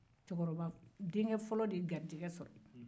cɛkɔrɔba denkɛ fɔlɔ de garijɛgɛ sɔrɔ